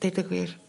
Deud y gwir.